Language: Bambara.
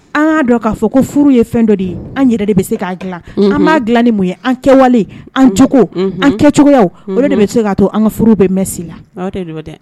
An k' dɔn k'a fɔ ko furu ye fɛn dɔ de ye an yɛrɛ de bɛ se k' dila an b' dila ni mun ye an kɛwale an cogo an kɛcogo de bɛ se k'a to an ka furu bɛɛ mɛn si la